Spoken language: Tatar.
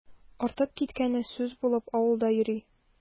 Артып киткәне сүз булып авылда йөри.